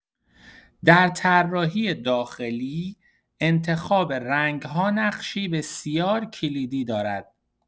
در طراحی داخلی، انتخاب رنگ‌ها نقشی بسیار کلیدی دارد.